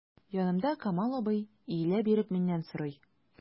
Янымда— Камал абый, иелә биреп миннән сорый.